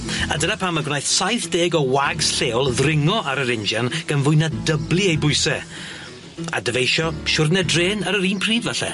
A dyna pam y gwnaeth saith deg o wags lleol ddringo ar yr injan gan fwy na dyblu ei bwyse a dyfeisio siwrne drên ar yr un pryd falle.